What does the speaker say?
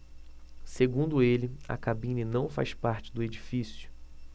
segundo ele a cabine não faz parte do edifício